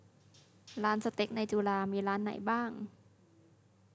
ร้านสเต็กในจุฬามีร้านไหนบ้าง